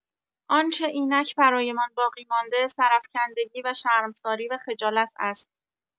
آن‌چه اینک برایمان باقی‌مانده سرافکندگی و شرمساری و خجالت است.